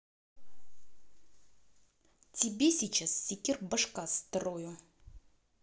тебе сейчас секирбашка строю